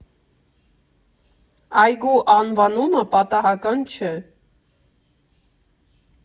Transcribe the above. Այգու անվանումը պատահական չէ.